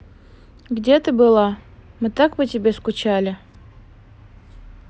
где ты была мы по тебе скучали